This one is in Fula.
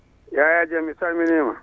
Yaya Dieng mi salminima